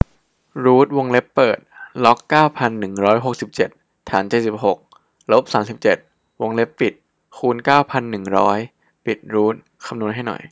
รูทวงเล็บเปิดล็อกเก้าพันหนึ่งร้อยหกสิบเจ็ดฐานเจ็ดสิบหกลบสามสิบเจ็ดวงเล็บปิดคูณเก้าหนึ่งร้อยปิดรูทคำนวณให้หน่อย